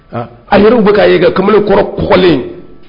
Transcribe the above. A a yɛrɛ bɛka ka ye kamalen kɔrɔ kɔlen